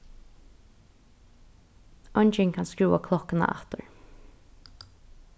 eingin kann skrúva klokkuna aftur